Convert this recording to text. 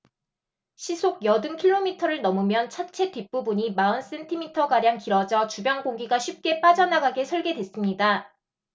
시속 여든 킬로미터를 넘으면 차체 뒷부분이 마흔 센티미터가량 길어져 주변 공기가 쉽게 빠져나가게 설계됐습니다